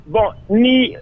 Bon ni